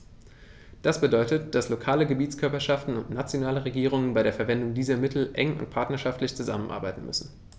Das bedeutet, dass lokale Gebietskörperschaften und nationale Regierungen bei der Verwendung dieser Mittel eng und partnerschaftlich zusammenarbeiten müssen.